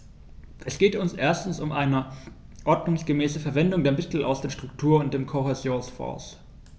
Es geht uns erstens um eine ordnungsgemäße Verwendung der Mittel aus den Struktur- und dem Kohäsionsfonds.